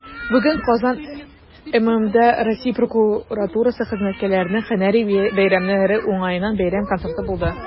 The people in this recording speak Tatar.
Бүген "Казан" ММҮдә Россия прокуратурасы хезмәткәрләренең һөнәри бәйрәмнәре уңаеннан бәйрәм концерты булды.